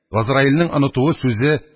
Газраилнең онытуы сүзе